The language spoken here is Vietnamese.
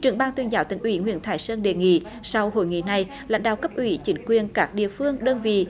trưởng ban tuyên giáo tỉnh ủy nguyễn thái sơn đề nghị sau hội nghị này lãnh đạo cấp ủy chính quyền các địa phương đơn vị